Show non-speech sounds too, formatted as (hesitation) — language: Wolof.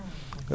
(hesitation) (hesitation)